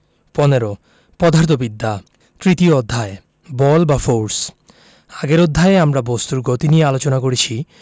১৫ পদার্থবিদ্যা তৃতীয় অধ্যায় বল বা ফোরস আগের অধ্যায়ে আমরা বস্তুর গতি নিয়ে আলোচনা করেছি